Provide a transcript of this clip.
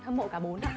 hâm mộ cả bốn ạ